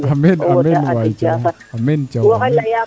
amiin amiin waay Thiaw amiin amiin